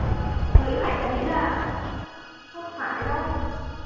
chúa liễu hạnh cháu nghĩ là không phải đâu